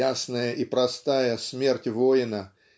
"ясная и простая" смерть воина